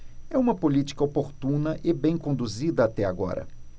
é uma política oportuna e bem conduzida até agora